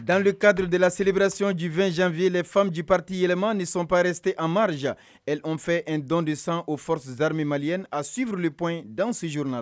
Dadi kadur dela selielibrasiyji2y2ye fanjipritiyɛlɛma ni nisɔnpreste amarie fɛ in dɔn de san o ssizrime malien a suur dep dan syuruna